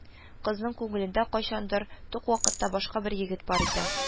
Кызның күңелендә, кайчандыр тук вакытта башка бер егет бар иде